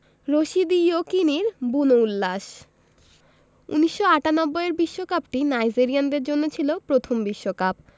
Rashidi ইয়েকিনীর বুনো উল্লাস ১৯৯৮ এর বিশ্বকাপটি নাইজেরিয়ানদের জন্য ছিল প্রথম বিশ্বকাপ